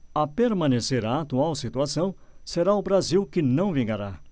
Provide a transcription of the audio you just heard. a permanecer a atual situação será o brasil que não vingará